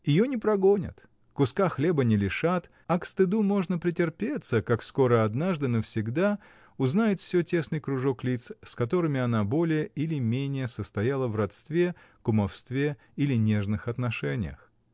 Ее не прогонят, куска хлеба не лишат, а к стыду можно притерпеться, как скоро однажды навсегда узнает всё тесный кружок лиц, с которыми она более или менее состояла в родстве, кумовстве или нежных отношениях.